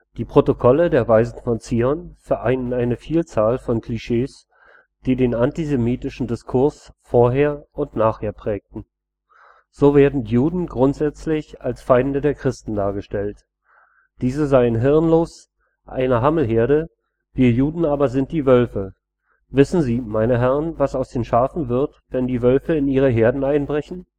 Die Protokolle der Weisen von Zion vereinen eine Vielzahl von Klischees, die den antisemitischen Diskurs vorher und nachher prägten. So werden Juden grundsätzlich als Feinde der Christen dargestellt: Diese seien „ hirnlos “,„ eine Hammelherde, wir Juden aber sind die Wölfe. Wissen Sie, meine Herren, was aus den Schafen wird, wenn die Wölfe in ihre Herden einbrechen